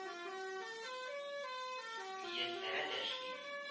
Мияссәрә дәшми